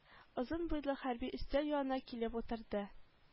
Озын буйлы хәрби өстәл янына килеп утырды